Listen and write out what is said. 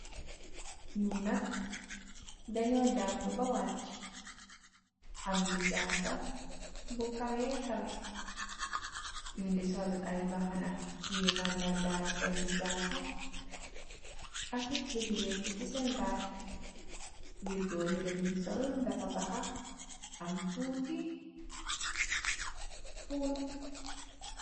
Nyi nak danyu janguh ba wachih nyunge sul mabkhana yi manndargal sen yereh ak lunj wekuh seb bat wergoh yereh bunj sul dafa bakha.